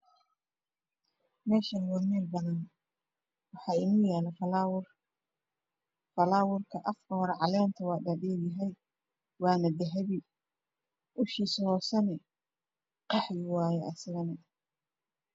Halkan waa mel banan ah wax yalo falawar kalar kisi waa dahabi iyo qahwi